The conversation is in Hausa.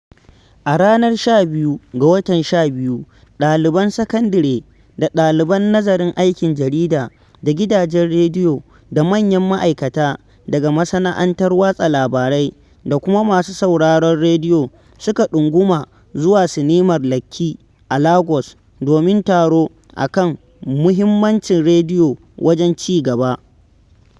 A ranar 12 ga watan 12, ɗaliban sakandire da ɗaliban nazarin aikin jarida da gidajen rediyo da manyan ma'aikata daga masana’antar watsa labarai da kuma masu sauraron rediyo suka ɗunguma zuwa sinimar Lekki a Lagos domin taro a kan muhimmancin rediyo wajen ci-gaba.